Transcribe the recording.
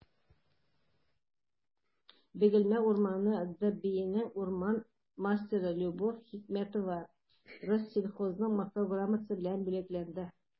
«бөгелмә урманы» дбинең урман мастеры любовь хикмәтова рослесхозның мактау грамотасы белән бүләкләнде